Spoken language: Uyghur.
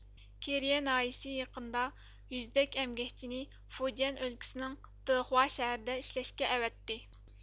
كېرىيە ناھىيىسى يېقىندا يۈزدەك ئەمگەكچىنى فۇجيەن ئۆلكىسىنىڭ دېخۇا شەھىرىدە ئىشلەشكە ئەۋەتتى